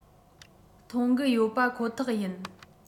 མཐོང གི ཡོད པ ཁོ ཐག ཡིན